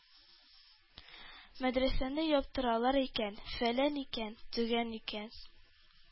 Мәдрәсәне яптыралар икән, фәлән икән, төгән икән!